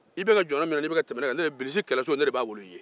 i bɛ ka jɔn ne min na ni i bɛ ka tɛmɛ ne na bilisi kɛlɛso ne de b'a wolo i ye